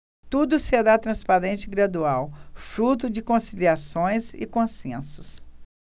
tudo será transparente e gradual fruto de conciliações e consensos